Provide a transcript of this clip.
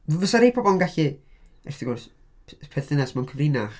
Fysa rhai pobl yn gallu... wrth gwrs p- perthynas mewn cyfrinach...